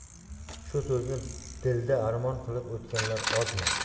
shu so'zni dilda armon qilib o'tganlar ozmi